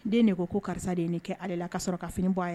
N den de ko karisa de ye ni kɛ ale la k kaa sɔrɔ k ka fini bɔ a ye